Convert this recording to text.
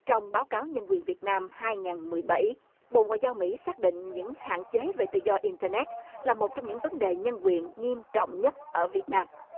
trong báo cáo nhân quyền việt nam hai ngàn mười bảy bộ ngoại giao mỹ xác định những hạn chế về tự do in tơ nét là một trong những vấn đề nhân quyền nghiêm trọng nhất ở việt nam